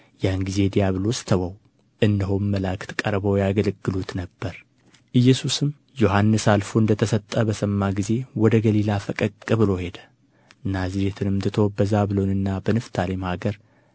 ያን ጊዜ ዲያቢሎስ ተወው እነሆም መላእክት ቀርበው ያገለግሉት ነበር ኢየሱስም ዮሐንስ አልፎ እንደ ተሰጠ በሰማ ጊዜ ወደ ገሊላ ፈቀቅ ብሎ ሄደ ናዝሬትንም ትቶ በዛብሎንና በንፍታሌም አገር